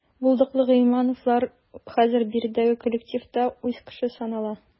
Булдыклы гыйльмановлар хәзер биредәге коллективта үз кеше санала.